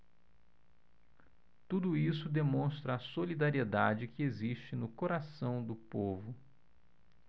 tudo isso demonstra a solidariedade que existe no coração do povo